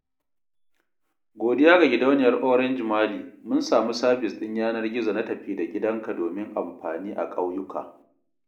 Godiya ga gidauniyar Orange Mali, mun samu sabis ɗin yanar gizo na tafi da gidanka domin amfani a ƙauyuka.